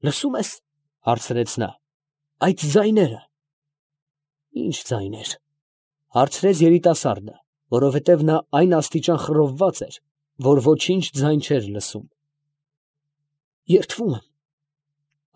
Լսում ե՞ս, ֊ հարցրեց նա, ֊ այդ ձայները։ ֊ Ի՞նչ ձայներ, ֊ հարցրեց երիտասարդը, որովհետև նա այն աստիճան խռովված էր, որ ոչինչ ձայն չէր լսում։ ֊ Երգում են…։